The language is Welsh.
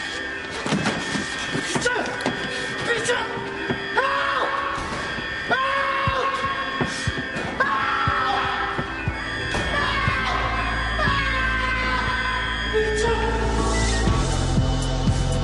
Peter! Peter! Help! Help! Help! Help! Help! Peter!